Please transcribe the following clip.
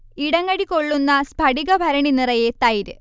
ഇടങ്ങഴി കൊള്ളുന്ന സ്ഫടിക ഭരണി നിറയെ തൈര്